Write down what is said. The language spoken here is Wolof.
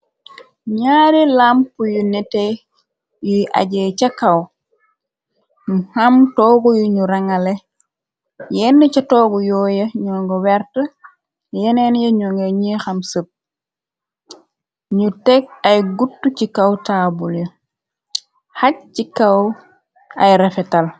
Ñaari lamp yu nete, yu ajee ca kaw. Mu am toogu yu ñu rangale, yenn ci toogu yooye ño ngo wert. Yeneen yañonge ñingi nexam sëb. Ñu teg ay guttu ci kaw taabuli, xaj ci kaw ay refetal.